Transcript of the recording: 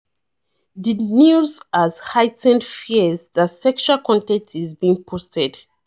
The news has heightened fears that sexual content is being posted